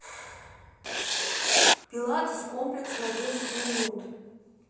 пилатес комплекс на десять минут